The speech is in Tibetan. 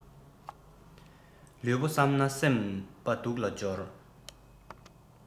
ལུས པོ བསམས ན སེམས པ སྡུག ལ སྦྱོར